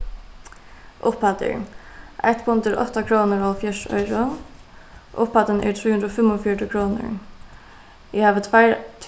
upphæddir eitt pund er átta krónur og hálvfjerðs oyru upphæddin er trý hundrað og fimmogfjøruti krónur eg havi tveir